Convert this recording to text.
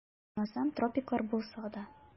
Ичмасам, тропиклар булса да...